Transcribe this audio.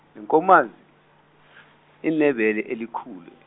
lenkomazi, inebele elikhul-.